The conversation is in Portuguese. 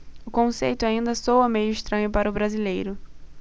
o conceito ainda soa meio estranho para o brasileiro